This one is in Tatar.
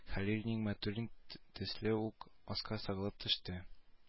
Хәлил нигъмәтуллин төсле үк аска сыгылып төште